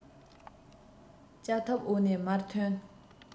ལྕག ཐབས འོག ནས མར ཐོན